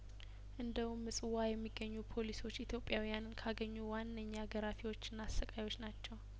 እንደ ውምምጽዋ የሚገኙ ፖሊሶች ኢትዮጵያውያንን ካገኙ ዋነኛ ገራፊዎችና አሰቃዮችናችው